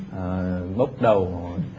ờ bốc đầu